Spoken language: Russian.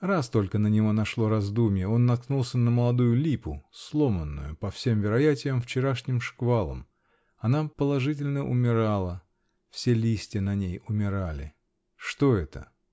Раз только на него нашло раздумье: он наткнулся на молодую липу, сломанную, по всем вероятиям, вчерашним шквалом. Она положительно умирала. все листья на ней умирали. "Что это?